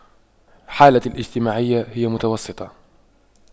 حالتي الاجتماعية هي متوسطة